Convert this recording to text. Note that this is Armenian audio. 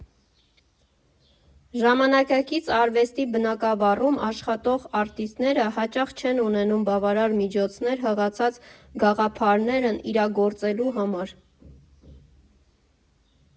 Ժամանակակից արվեստի բնագավառում աշխատող արտիստները հաճախ չեն ունենում բավարար միջոցներ հղացած գաղափարներն իրագործելու համար.